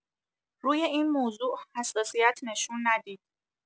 روی این موضوع حساسیت نشون ندید.